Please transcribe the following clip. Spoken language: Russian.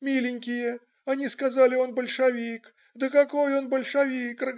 "Миленькие, они сказали, он бальшавик, да какой он бальшавик!